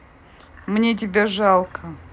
мне тебя жалко